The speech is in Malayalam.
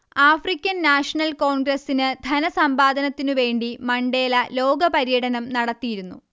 ആഫ്രിക്കൻ നാഷണൽ കോൺഗ്രസ്സിന് ധനസമ്പാദനത്തിനു വേണ്ടി മണ്ടേല ലോകപര്യടനം നടത്തിയിരുന്നു